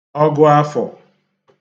ọgụ afọ̀